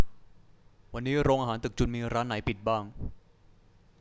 วันนี้โรงอาหารตึกจุลมีร้านไหนปิดบ้าง